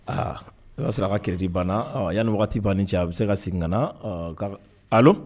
Aa o y'a sɔrɔ a ka Crédit banna yani waati ,wagati ban ni cɛ, a bɛ se ka segin ka na allo